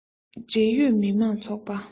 འབྲེལ ཡོད མི དམངས ཚོགས པ